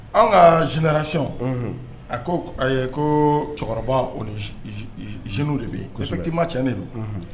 Anw ka jrasi a ko ko cɛkɔrɔba jw de bɛ yensɔ'i ma tien de don